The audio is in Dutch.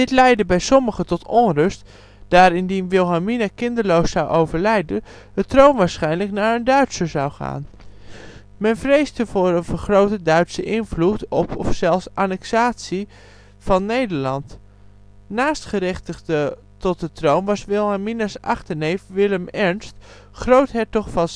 leidde bij sommigen tot onrust, daar indien Wilhelmina kinderloos zou overlijden de troon waarschijnlijk naar een Duitser zou gaan. Men vreesde voor een vergrote Duitse invloed op of zelfs annexatie van Nederland. Naastgerechtigde tot de troon was Wilhelmina 's achterneef Willem Ernst, groothertog van